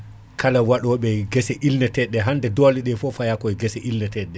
kala waɗoɓe guesse ilneteɗeɗe hande doole ɗe foof paya koye guesse ilneteɗeɗe